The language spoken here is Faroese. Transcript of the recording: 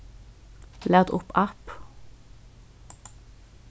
lat upp app